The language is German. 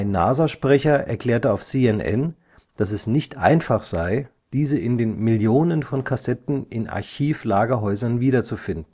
NASA-Sprecher erklärte auf CNN, dass es nicht einfach sei, diese in den Millionen von Kassetten in Archiv-Lagerhäusern wiederzufinden